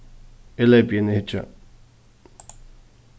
eg leypi inn at hyggja